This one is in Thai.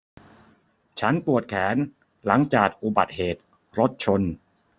ฉันปวดแขนหลังจากอุบัติเหตุรถชน